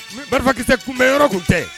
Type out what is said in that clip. Nkisɛ tɛ kunbɛn yɔrɔ kun tɛ